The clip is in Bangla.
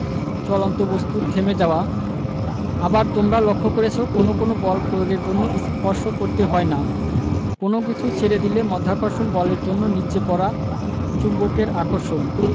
চলন্ত বস্তুর থেমে যাওয়া আবার তোমরা লক্ষ করেছ কোনো কোনো বল প্রয়োগের জন্য স্পর্শ করতে হয় না কোনো কিছু ছেড়ে দিলে মাধ্যাকর্ষণ বলের জন্য নিচে পড়া চুম্বকের আকর্ষণ